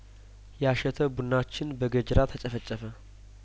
ያሸ ተቡናችን በገጀራ ተጨፈጨፈ